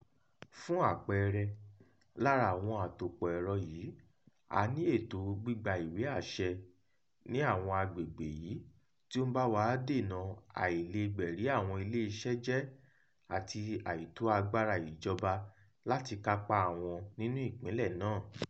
Fún àpẹẹrẹ [lára àwọn àtòpọ̀ ẹ̀rọ yìí], a ní ètòo gbígba ìwé àṣẹ ní àwọn agbègbè yìí [tí ó ń bá wa dènà] àìlègbẹ̀rí àwọn iléeṣẹ́ jẹ́ àti àìtó agbára ìjọba láti kápáa wọn nínú ìpínlẹ̀ náà.